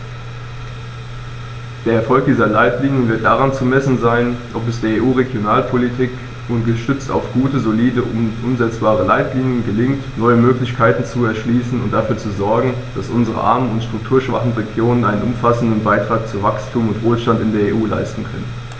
Der Erfolg dieser Leitlinien wird daran zu messen sein, ob es der EU-Regionalpolitik, gestützt auf gute, solide und umsetzbare Leitlinien, gelingt, neue Möglichkeiten zu erschließen und dafür zu sogen, dass unsere armen und strukturschwachen Regionen einen umfassenden Beitrag zu Wachstum und Wohlstand in der EU leisten können.